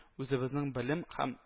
Үзебезнең белем һәм